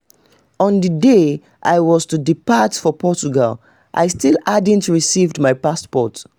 On the day I was to depart for Portugal, I still [hadn’t] received my passport...